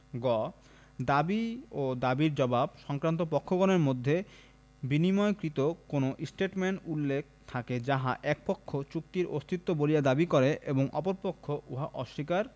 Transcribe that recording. গ দাবী ও দাবীর জবাব সংক্রান্ত পক্ষগণের মধ্যে বিনিময়কৃত কোন ষ্টেটমেন্টে উল্লেখ থাকে যাহা এক পক্ষ চুক্তির অস্তিত্ব বলিয়া দাবী করে এবং অপর পক্ষ উহা অস্বীকার